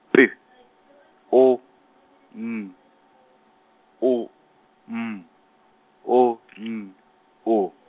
P O N O M O N O .